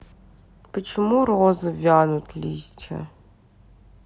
почему розы вянут листья